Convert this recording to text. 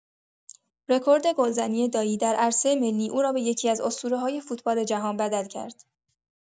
رکورد گلزنی دایی در عرصه ملی، او را به یکی‌از اسطوره‌های فوتبال جهان بدل کرد.